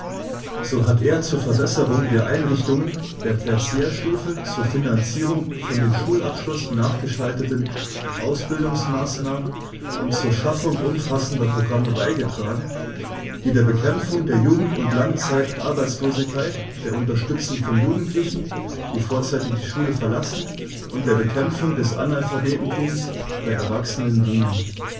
So hat er zur Verbesserung der Einrichtungen der Tertiärstufe, zur Finanzierung von dem Schulabschluß nachgeschalteten Ausbildungsmaßnahmen und zur Schaffung umfassender Programme beigetragen, die der Bekämpfung der Jugend- und Langzeitarbeitslosigkeit, der Unterstützung von Jugendlichen, die vorzeitig die Schule verlassen, und der Bekämpfung des Analphabetentums bei Erwachsenen dienen.